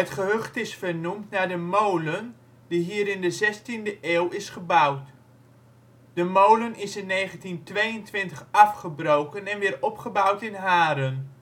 gehucht is vernoemd naar de molen die hier in de zestiende eeuw is gebouwd. De molen is in 1922 afgebroken en weer opgebouwd in Haren